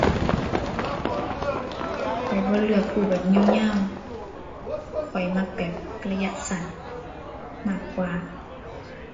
ข้อยบ่เลือกกู้แบบยาวยาว ข้อยมักแบบระยะสั้นมากกว่า